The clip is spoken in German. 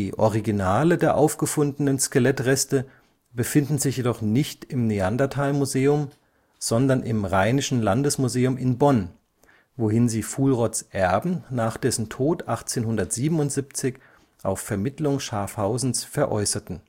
Originale der aufgefundenen Skelettreste befinden sich jedoch nicht im Neanderthal-Museum, sondern im Rheinischen Landesmuseum in Bonn, wohin sie Fuhlrotts Erben nach dessen Tod 1877 auf Vermittlung Schaaffhausens veräußerten